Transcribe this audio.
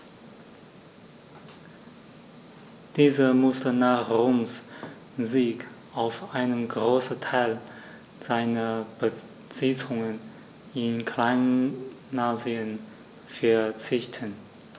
Dieser musste nach Roms Sieg auf einen Großteil seiner Besitzungen in Kleinasien verzichten.